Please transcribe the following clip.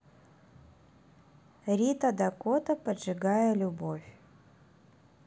рита дакота поджигая любовь